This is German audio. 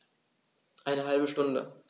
Eine halbe Stunde